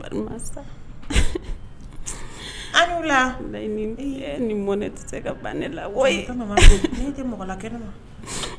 La ni bɔn ne tɛ se ka ban ne la ne tɛ mɔgɔ la kɛnɛ ma